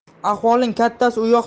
ahvolning kattasi